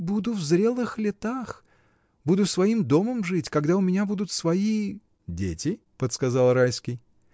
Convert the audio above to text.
буду в зрелых летах, буду своим домом жить, когда у меня будут свои. — Дети? — подсказал Райский.